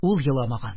Ул еламаган.